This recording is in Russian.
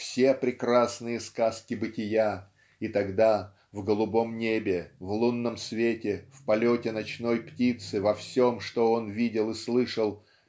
все прекрасные сказки бытия и тогда в голубом небе в лунном свете в полете ночной птицы во всем что он видел и слышал